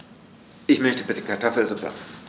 Ich möchte bitte Kartoffelsuppe.